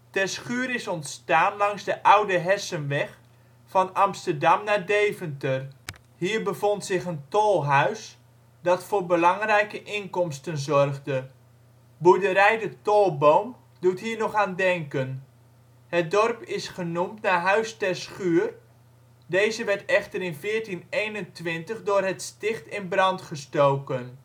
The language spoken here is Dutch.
Terschuur is ontstaan langs de oude Hessenweg, van Amsterdam naar Deventer. Hier bevond zich een tolhuis die voor belangrijke inkomsten zorgde. Boerderij " De Tolboom " doet hier nog aan denken. Het dorp is genoemd naar " Huis Terschuur ", deze werd echter in 1421 door Het Sticht in brand gestoken